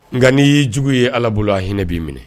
Nka n'i y'i jugu ye Ala bolo a hinɛ b'i minɛ.